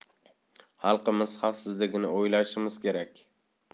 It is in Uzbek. xalqimiz xavfsizligini o'ylashimiz kerak